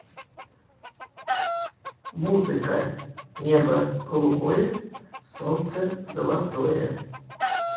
музыка небо голубое солнце золотое